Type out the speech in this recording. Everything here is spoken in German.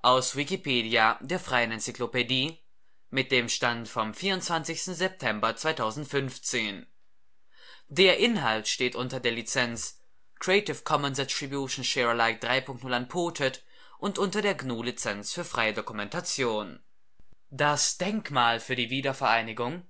aus Wikipedia, der freien Enzyklopädie. Mit dem Stand vom Der Inhalt steht unter der Lizenz Creative Commons Attribution Share Alike 3 Punkt 0 Unported und unter der GNU Lizenz für freie Dokumentation. Denkmal für die Wiedervereinigung Koreanisches Alphabet: 조국통일3대헌장기념탑 Hanja: 祖國統一三大憲章紀念塔 Revidierte Romanisierung: Joguk Tongil Samdae Heonjang Ginyeomtap McCune-Reischauer: Choguk T'ongil Samtae Hŏnjang Kinyŏmt'ap Das Denkmal für die Wiedervereinigung